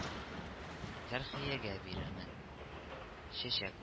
Фәрхиягә бирермен чәчәк